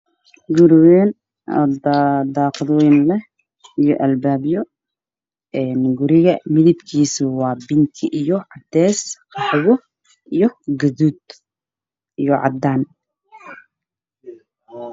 Waa guri ville ah oo dabaq ah oo qurux badan waxa uu ka kooban yahay mudo biyo kala duwan jaalo ah